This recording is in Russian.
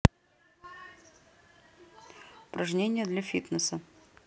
упражнения для фитнеса